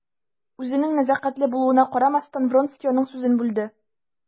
Үзенең нәзакәтле булуына карамастан, Вронский аның сүзен бүлде.